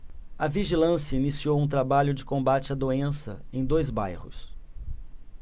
a vigilância iniciou um trabalho de combate à doença em dois bairros